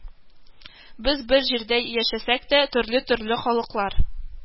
Без бер җирдә яшәсәк тә, төрле-төрле халыклар